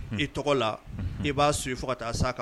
I tɔgɔ la i b'a su fo ka taa sa kan